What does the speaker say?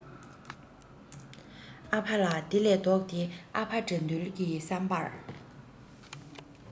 ཨ ཕ ལ དེ ལས ལྡོག སྟེ ཨ ཕ དགྲ འདུལ གི བསམ པར